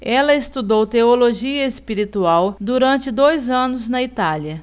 ela estudou teologia espiritual durante dois anos na itália